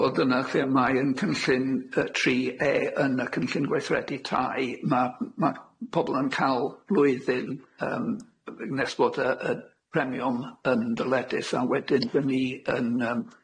Ie wel dyna lle mae ein cynllun yy tri e yn y cynllun gweithredu tai ma' ma' pobol yn ca'l blwyddyn yym nes bod y y premiwm yn dyledus a wedyn 'dy ni yn yym